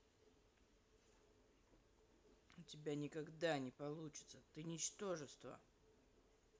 у тебя никогда не получится ты ничтожество